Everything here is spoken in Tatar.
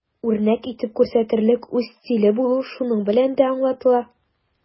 Үрнәк итеп күрсәтерлек үз стиле булу шуның белән дә аңлатыла.